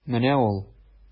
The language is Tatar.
Менә ул.